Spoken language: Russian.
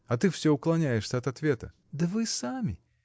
А ты всё уклоняешься от ответа! — Да вы сами.